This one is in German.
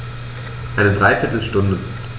Eine dreiviertel Stunde